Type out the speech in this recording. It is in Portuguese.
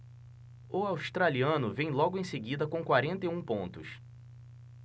o australiano vem logo em seguida com quarenta e um pontos